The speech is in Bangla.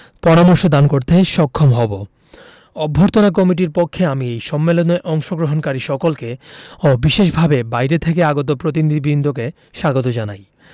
পরামর্শ দান করতে সক্ষম হবো অভ্যর্থনা কমিটির পক্ষে আমি এই সম্মেলনে অংশগ্রহণকারী সকলকে ও বিশেষভাবে বাইরে থেকে আগত প্রতিনিধিবৃন্দকে স্বাগত জানাই